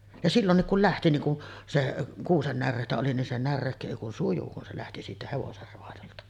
ja silloinkin kun lähti niin kun se kuusen näreitä oli niin se näreikkö ei kuin sujui kun se lähti siitä hevosen raadolta